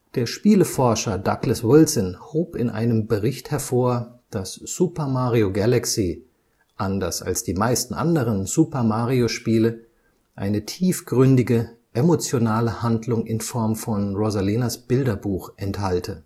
Der Spieleforscher Douglas Wilson hob in einem Bericht hervor, dass Super Mario Galaxy – anders als die meisten anderen Super-Mario-Spiele – eine tiefgründige, emotionale Handlung in Form von „ Rosalinas Bilderbuch “enthalte